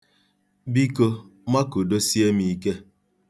Biko, makudosie m ike.